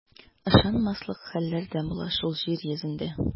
Ышанмаслык хәлләр дә була шул җир йөзендә.